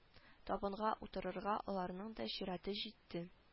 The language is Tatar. Табынга утырырга аларның да чираты җитте